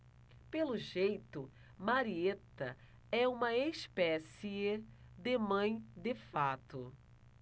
pelo jeito marieta é uma espécie de mãe de fato